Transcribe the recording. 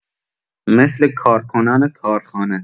مثل کارکنان کارخانه